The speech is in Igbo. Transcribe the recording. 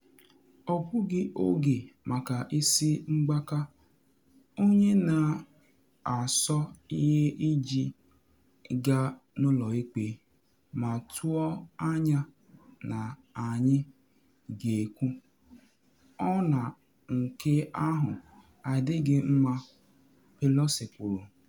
“Ọ bụghị oge maka isi mgbaka, onye na asọ ihe iji gaa n’ụlọ ikpe ma tụọ anya na anyị ga-ekwu, “ọ na nke ahụ adịghị mma,”” Pelosi kwuru.